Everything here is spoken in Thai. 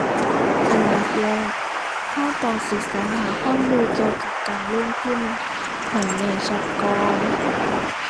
อันดับแรกเราต้องศึกษาหาความรู้เกี่ยวกับการลงทุนให้แน่ชัดก่อน